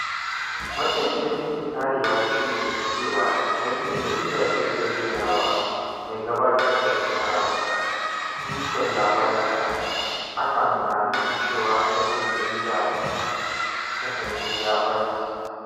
“Matsayin da muke karewa shi ne cewa idan ɗan jarida zai bayyanawa mai gabatar da kara tushen labarinsa, hakan na nufin cewa aikin jarida kansa ya ɓace.”